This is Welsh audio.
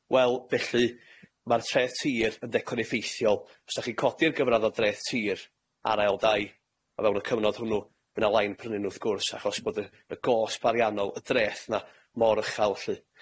wel felly ma'r treth tir yn declyn effeithiol. Os dach chi'n codi'r gyfradd o dreth tir ar ail dai, o fewn y cyfnod hwnnw, by' 'na lai'n prynu nw wrth gwrs achos bod y y gosb ariannol, y dreth 'na, mor ychal lly.